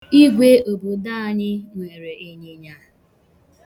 Igwe obodo anyị nwere ịnyịnya.